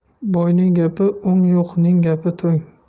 boyning gapi o'ng yo'qning gapi to'ng